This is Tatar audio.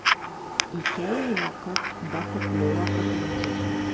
Икәү вакыт бәхетле вакыт инде ул.